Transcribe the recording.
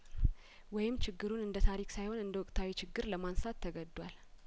ወይም ችግሩን እንደታሪክ ሳይሆን እንደወቅታዊ ችግር ለማንሳት ተገዷል